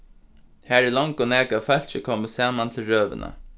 har er longu nakað av fólki komið saman til røðuna